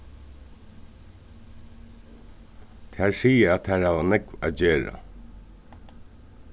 tær siga at tær hava nógv at gera